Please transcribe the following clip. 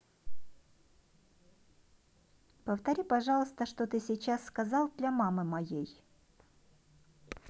повтори пожалуйста что ты сейчас сказал для мамы моей